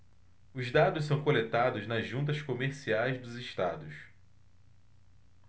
os dados são coletados nas juntas comerciais dos estados